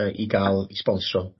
yy i ga'l 'i sbonsro.